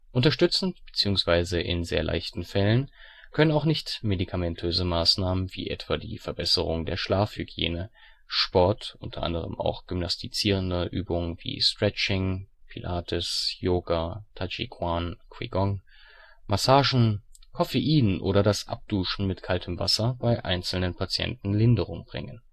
Unterstützend bzw. in sehr leichten Fällen können auch nicht-medikamentöse Maßnahmen wie etwa die Verbesserung der Schlafhygiene, Sport (u.a. auch gymnastizierende Übungen wie Stretching, Pilates, Yoga, Taijiquan, Qigong), Massagen, Koffein oder das Abduschen mit kaltem Wasser bei einzelnen Patienten Linderung bringen